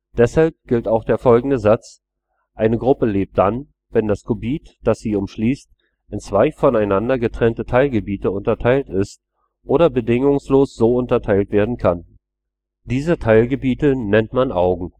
Deshalb gilt auch der folgende Satz: Eine Gruppe lebt dann, wenn das Gebiet, das sie umschließt, in zwei voneinander getrennte Teilgebiete unterteilt ist oder bedingungslos so unterteilt werden kann. Diese Teilgebiete nennt man Augen